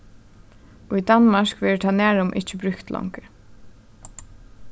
í danmark verður tað nærum ikki brúkt longur